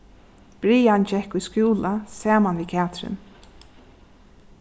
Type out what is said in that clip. brian gekk í skúla saman við katrin